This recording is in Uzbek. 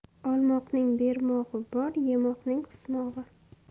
olmoqning bermog'i bor yemoqning qusmog'i